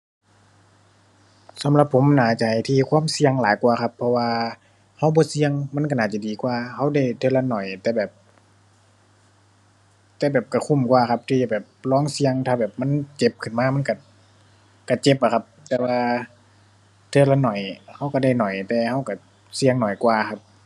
สำหรับผมน่าจะให้ที่ความเสี่ยงหลายกว่าครับ เพราะว่าเราบ่เสี่ยงมันเราน่าจะดีกว่า เราได้เทื่อละน้อย แต่แบบ แต่แบบเราคุ้มกว่าครับ ที่จะแบบลองเสี่ยง ถ้าแบบมันเจ็บขึ้นมามันเรา เราเจ็บอะครับ แต่ว่าเทื่อละน้อยเราเราได้น้อย แต่เราเราเสี่ยงน้อยกว่าครับ